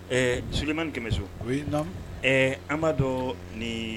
Ɛɛ Siliman Kɛmɛso, oui namu, ɛɛ an b'a dɔn